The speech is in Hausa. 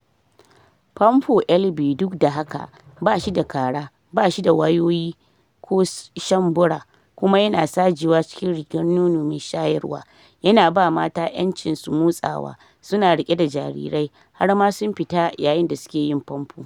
fomfo Elvie duk da haka, bashi da kara, ba shi da wayoyi ko shambura kuma yana sajewa cikin rigar nono mai shayarwa, yana ba mata 'yanci su motsawa, su na riƙe da jarirai, har ma sun fita yayin da suke yin famfo.